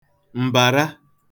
m̀bàra